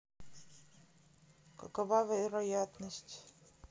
какова вероятность